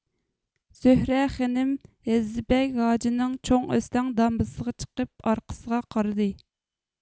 زۆھرە خېنىم ھېززىبەگ ھاجىنىڭ چوڭ ئۆستەڭ دامبىسىغا چىقىپ ئارقىسىغا قارىدى